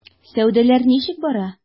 Сәүдәләр ничек бара?